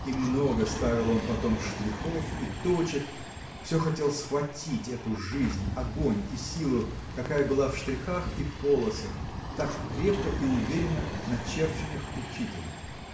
И много ставил он потом штрихов и точек, всё хотел схватить эту жизнь, огонь и силу, какая была в штрихах и полосах, так крепко и уверенно начерченных учителем.